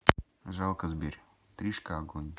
жалко сбер тришка огонь